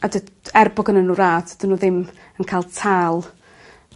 a dy- er bo' gynnyn n'w radd 'dyn n'w ddim yn ca'l tâl